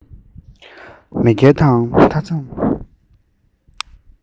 མེས རྒྱལ དང མཐའ མཚམས